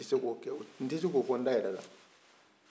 o tɛ se ka kɛ n tɛ se k'o fɔ n da yɛrɛ la